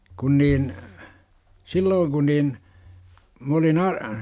kun niin silloin kun niin minä olin -